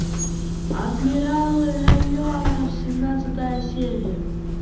адмиралы районов семнадцатая серия